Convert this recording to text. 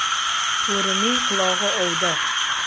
bo'rining qulog'i ovda